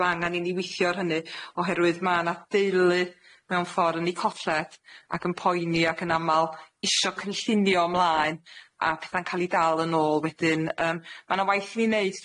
Ma' angan i ni withio ar hynny oherwydd ma' 'na deulu mewn ffor yn 'u colled, ac yn poeni ac yn amal isio cynllunio mlaen a petha'n ca'l 'u dal yn ôl wedyn yym ma' 'na waith i ni neud